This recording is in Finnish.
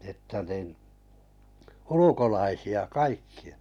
että niin ulkolaisia kaikkia